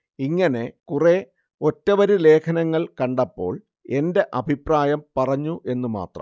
ഇങ്ങനെ കുറെ ഒറ്റവരി ലേഖനങ്ങൾ കണ്ടപ്പോൾ എന്റെ അഭിപ്രായം പറഞ്ഞു എന്നു മാത്രം